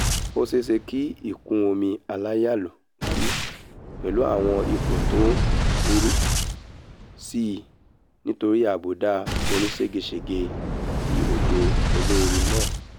Ó ṣeé ṣe kí ìkún omi aláyalù wáyé pẹ̀lú àwọn ipò tó ń burú síi nítorí àbùdá onísége-sège ti òjò olóoru náà.